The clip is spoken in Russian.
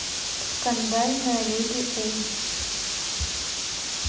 скандальная леди у